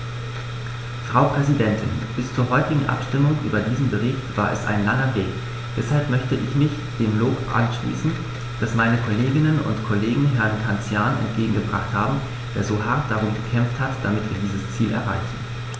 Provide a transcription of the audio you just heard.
Frau Präsidentin, bis zur heutigen Abstimmung über diesen Bericht war es ein langer Weg, deshalb möchte ich mich dem Lob anschließen, das meine Kolleginnen und Kollegen Herrn Cancian entgegengebracht haben, der so hart darum gekämpft hat, damit wir dieses Ziel erreichen.